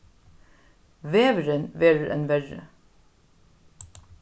vegurin verður enn verri